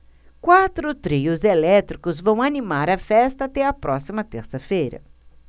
quatro trios elétricos vão animar a festa até a próxima terça-feira